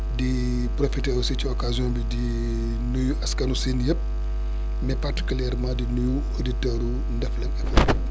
di profité aussi ci occasion bi di nuyu askanu Sine yëpp mais particulièrement di nuyu auditeurs Ndefleng FM